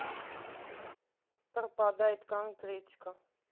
пропадает конкретика